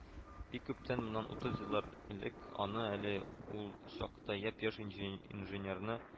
Бик күптән, моннан утыз еллар элек, аны, әле ул чакта япь-яшь инженерны